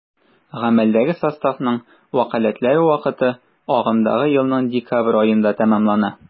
Гамәлдәге составның вәкаләтләре вакыты агымдагы елның декабрь аенда тәмамлана.